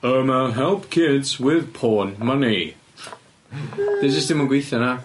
Urma help kids with porn money. 'Di o jyst dim yn gweithio na?